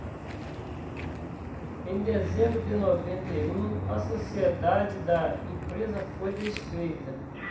em dezembro de noventa e um a sociedade da empresa foi desfeita